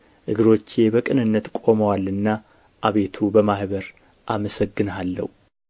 እግሮቼ በቅንነት ቆመዋልና አቤቱ በማኅበር አመሰግንሃለሁ